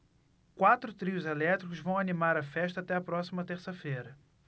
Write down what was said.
quatro trios elétricos vão animar a festa até a próxima terça-feira